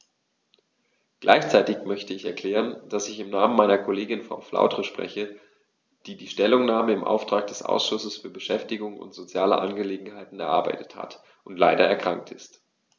Gleichzeitig möchte ich erklären, dass ich im Namen meiner Kollegin Frau Flautre spreche, die die Stellungnahme im Auftrag des Ausschusses für Beschäftigung und soziale Angelegenheiten erarbeitet hat und leider erkrankt ist.